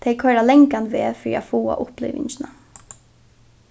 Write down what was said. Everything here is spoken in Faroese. tey koyra langan veg fyri at fáa upplivingina